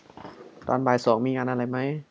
ตอนบ่ายสองมีงานอะไรไหม